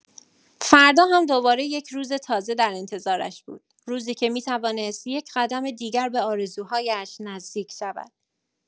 فردا هم دوباره یک روز تازه در انتظارش بود، روزی که می‌توانست یک‌قدم دیگر به آرزوهایش نزدیک شود.